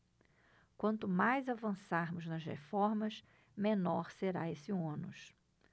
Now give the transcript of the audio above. quanto mais avançarmos nas reformas menor será esse ônus